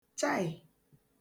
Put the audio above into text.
chaị!